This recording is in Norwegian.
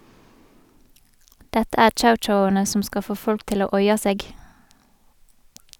Dette er chow-chowane som skal få folk til å oia seg.